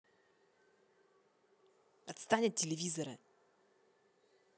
отстань от телевизора